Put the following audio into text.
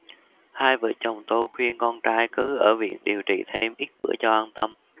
hai vợ chồng tôi khuyên con trai cứ ở viện điều trị thêm ít bữa cho an tâm